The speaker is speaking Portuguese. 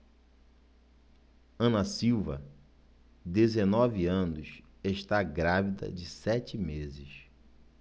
ana silva dezenove anos está grávida de sete meses